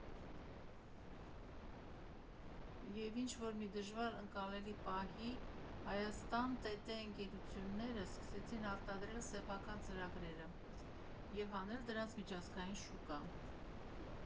Եվ ինչ֊որ մի դժվար ընկալելի պահի հայաստանյան ՏՏ ընկերությունները սկսեցին արտադրել սեփական ծրագրերը և հանել դրանց միջազգային շուկա։